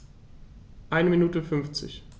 Eine Minute 50